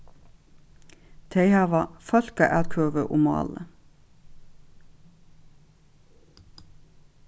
tey hava fólkaatkvøðu um málið